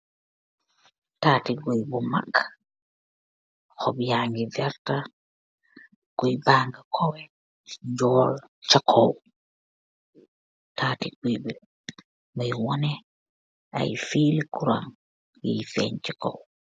taati guoyeh bou mank khop yaa ngii vert, guoyeh baah ngii kawai nyol saa kaw taati guogeh bii mee waneh ayeh filli Kura yeh fenn saa kaw